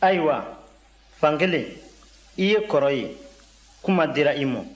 ayiwa fankelen i ye kɔrɔ ye kuma dira i ma